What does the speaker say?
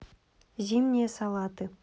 зимние салаты